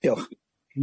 Diolch.